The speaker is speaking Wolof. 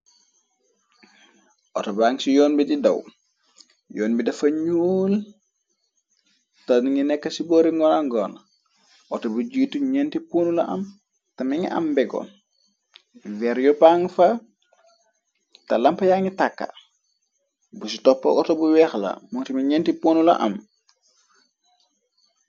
Auto ban si yoon bi di daw, yoon bi dafa ñuul, ta ngi nekk ci boori ngonangona, auto bu jiitu ñenti poonu la am, te mi ngi am mbegoon, veeryo bang fa te lampa ya ngi tàkka, bu ci toppa auto bu weex la mootemi ñenti poonu la am.